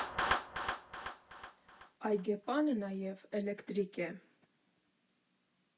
Այգեպանը նաև էլեկտրիկ է։